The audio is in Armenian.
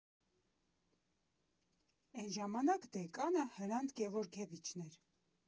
Էն ժամանակ դեկանը Հրանտ Գեորգեվիչն էր։